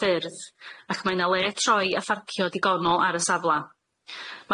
ffyrdd, ac mae 'na le troi a pharcio digonol ar y safla'.